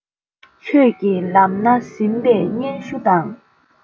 ཆོས ཀྱི ལམ སྣ ཟིན པའི སྙན ཞུ དང